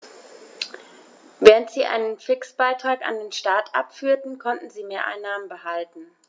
Während sie einen Fixbetrag an den Staat abführten, konnten sie Mehreinnahmen behalten.